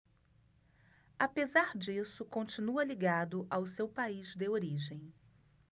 apesar disso continua ligado ao seu país de origem